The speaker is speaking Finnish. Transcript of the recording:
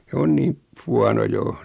se on niin huono jo